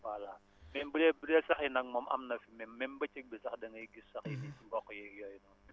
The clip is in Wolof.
voilà mais bu dee bu dee sax yi nag moom am na fi même bëccëg bi sax da ngay gis sax yi ci mboq yeeg yooyu